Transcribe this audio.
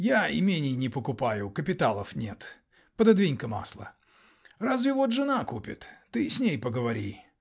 -- Я имений не покупаю: капиталов нет. Пододвинь-ка масло. Разве вот жена купит. Ты с ней поговори.